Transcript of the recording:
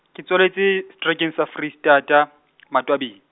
ke tswaletswe sa Foreistata , Matwabeng.